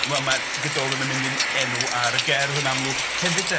Wel ma' Gododdin yn mynd yn enw ar y gerdd yn amlwg hefyd de.